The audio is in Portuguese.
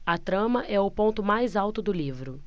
a trama é o ponto mais alto do livro